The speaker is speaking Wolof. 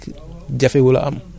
maanaam daal ci gàttal moom